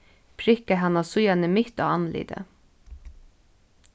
prikka hana síðani mitt á andlitið